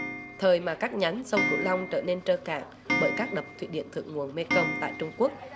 thời mà các nhánh sông cửu long trở nên trơ cạn bởi các đập thủy điện thượng nguồn mê công tại trung quốc